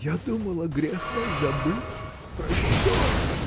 Я думала, грех мой забыт, прощен.